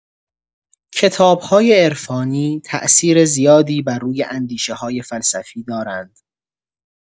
کتاب‌های عرفانی تاثیر زیادی بر روی اندیشه‌های فلسفی دارند.